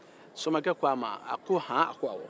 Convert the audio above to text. somakɛ ko a ma ko han